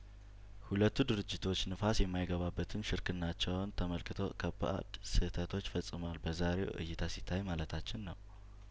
ሁለቱ ድርጅቶች ንፋስ የማይገባበትን ሽርክናቸውን ተመልክተው ከባድ ስህተቶች ፈጽመዋል በዛሬው እይታ ሲታይ ማለታችን ነው